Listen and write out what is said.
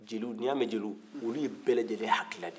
jeliw n'i ya mɛn jeliw olu ye bɛɛ hakilina de ye